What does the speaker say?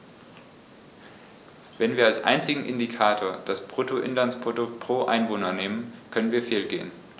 Wenn wir als einzigen Indikator das Bruttoinlandsprodukt pro Einwohner nehmen, können wir fehlgehen.